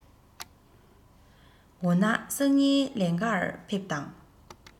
འོ ན སང ཉིན ལེན ག ཕེབས དང